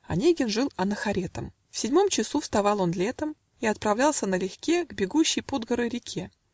Онегин жил анахоретом: В седьмом часу вставал он летом И отправлялся налегке К бегущей под горой реке